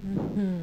Unhun